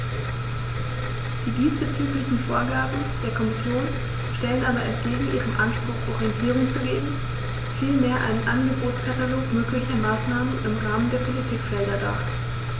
Die diesbezüglichen Vorgaben der Kommission stellen aber entgegen ihrem Anspruch, Orientierung zu geben, vielmehr einen Angebotskatalog möglicher Maßnahmen im Rahmen der Politikfelder dar.